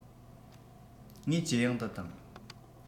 ངེས ཇེ ཡང དུ བཏང